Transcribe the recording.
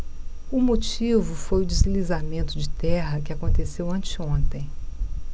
o motivo foi o deslizamento de terra que aconteceu anteontem